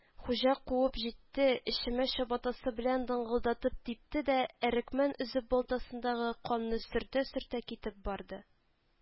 Хуҗа куып җитте, эчемә чабатасы белән дыңгылдатып типте дә, әрекмән өзеп балтасындагы канны сөртә-сөртә китеп барды